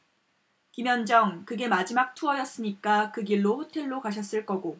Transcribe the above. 김현정 그게 마지막 투어였으니까 그 길로 호텔로 가셨을 거고